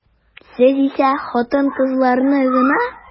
Сез исә хатын-кызларны гына.